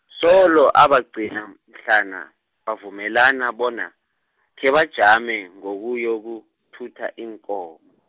solo abagcina mhlana, bavumelana bona, khebajame, ngokuyokuthutha iinko- .